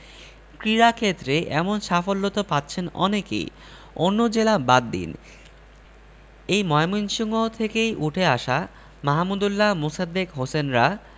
ক্রীড়াক্ষেত্রে এমন সাফল্য তো পাচ্ছেন অনেকেই অন্য জেলা বাদ দিন এ ময়মনসিংহ থেকেই উঠে আসা মাহমুদউল্লাহ মোসাদ্দেক হোসেনরা